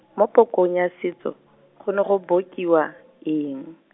mo pokong ya setso, go ne go bokiwa, eng?